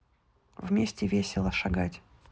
вместе весело шагать